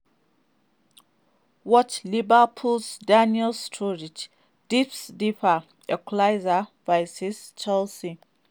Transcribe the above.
Watch: Liverpool's Daniel Sturridge dips deep equalizer vs. Chelsea